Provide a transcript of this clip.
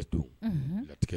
A to a